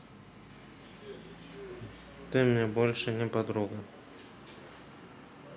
ты мне больше не подруга